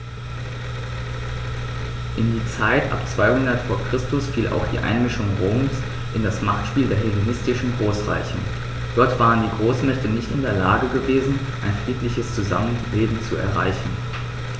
In die Zeit ab 200 v. Chr. fiel auch die Einmischung Roms in das Machtspiel der hellenistischen Großreiche: Dort waren die Großmächte nicht in der Lage gewesen, ein friedliches Zusammenleben zu erreichen.